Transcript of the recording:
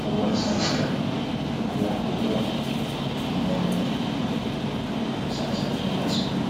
tabla ssensèr bu weex bu guta am ay bina ssencer bu tura speed